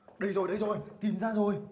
đây rồi đây rồi tìm ra rồi